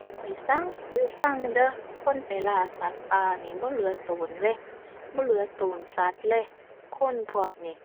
ข้อยซังซังเด้อ คนไปล่าสัตว์ป่านี่ บ่เหลือโตนเลย บ่เหลือโตนสัตว์เลย คนพวกนี้